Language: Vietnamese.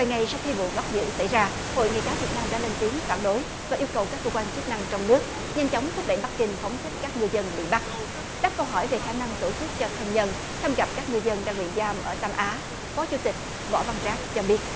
ngày sau khi vụ bắt giữ xảy ra hội nghề cá việt nam đã lên tiếng phản đối và yêu cầu các cơ quan chức năng trong nước nhanh chóng thúc đẩy bắc kinh phóng thích các ngư dân bị bắt đặt câu hỏi về khả năng tổ chức cho thân nhân thăm gặp các ngư dân đang bị giam ở tam á phó chủ tịch võ văn trác cho biết